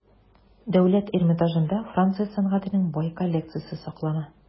Дәүләт Эрмитажында Франция сәнгатенең бай коллекциясе саклана.